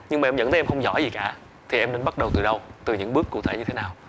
nhưng mà em nhận thấy em không giỏi gì cả thì em nên bắt đầu từ đầu từ những bước cụ thể như thế nào